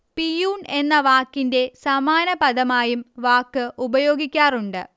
peon എന്ന വാക്കിന്റെ സമാന പദമായും വാക്ക് ഉപയോഗിക്കാറുണ്ട്